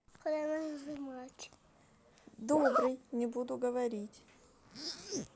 добрый не буду говорить